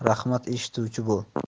rahmat eshituvchi bo'l